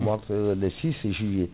waptu le 6 juillet